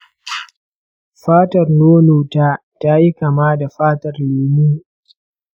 fatar nono ta tayi kama da fatar lemu.